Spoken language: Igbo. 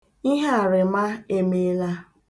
Ihearịma emeela.